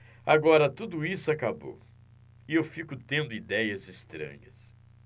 agora tudo isso acabou e eu fico tendo idéias estranhas